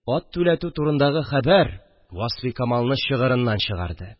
Ат түләтү турындагы хәбәр Васфикамалны чыгырыннан чыгарды